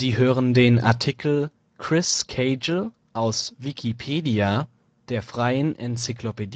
hören den Artikel Chris Cagle, aus Wikipedia, der freien Enzyklopädie